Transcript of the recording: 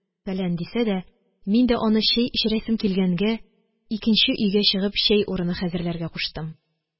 Фәлән, – дисә дә, мин дә аны чәй эчерәсем килгәнгә, икенче өйгә чыгып, чәй урыны хәзерләргә куштым.